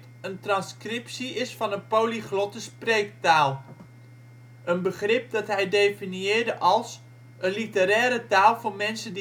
polyglotte spreektaal ", een begrip dat hij definieerde als " een literaire taal voor mensen